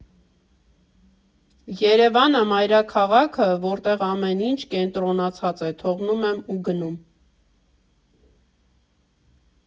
Երևանը՝ մայրաքաղաքը, որտեղ ամեն ինչ կենտրոնացած է, թողնում եմ ու գնում։